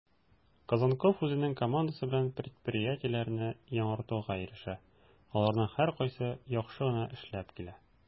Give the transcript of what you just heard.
Козонков үзенең командасы белән предприятиеләрне яңартуга ирешә, аларның һәркайсы яхшы гына эшләп килә: